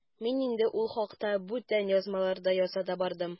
Мин инде ул хакта бүтән язмаларда яза да бардым.